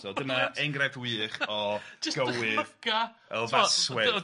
So dyna enghraifft wych o gywydd... Jyst dychmyga ...o faswedd... ti'bod,